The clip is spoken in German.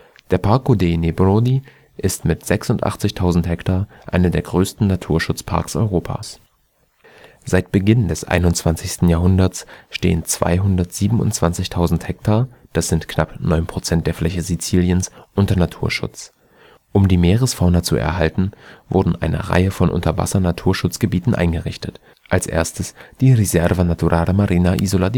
Der Parco dei Nebrodi ist mit 86.000 ha einer der größten Naturschutzparks Europas. Seit Beginn des 21. Jahrhunderts stehen 227.000 ha, das sind knapp 9 % der Fläche Siziliens, unter Naturschutz. Um die Meeresfauna zu erhalten, wurde eine Reihe von Unterwassernaturschutzgebieten eingerichtet, als erstes die Riserva naturale marina Isola